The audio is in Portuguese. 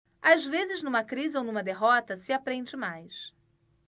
às vezes numa crise ou numa derrota se aprende mais